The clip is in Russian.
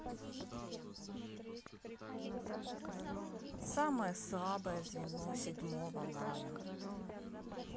самое слабое звено седьмого мая